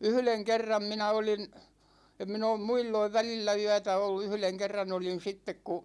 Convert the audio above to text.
yhden kerran minä olin en minä ole muulloin välillä yötä ollut yhden kerran olin sitten kun